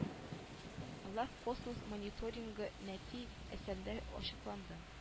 Алар космос мониторингы нәти әсендә ачыкланды